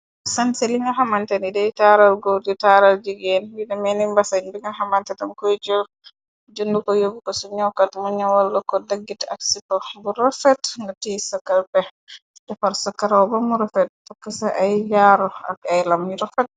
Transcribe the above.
Sanse li nga xamante ni dey taaral góor di taaral jigeen ngi. Demeeni mbasaj bi nga xamantetam koy jër jënd ko yóbb ko cu ñowkat. Mu ñowalla ko daggit ak sipa bu rofet nga tiis sa kal pex. Defar sa karaw bamu rofet takk ca ay yaaru ak aylam yu tafet.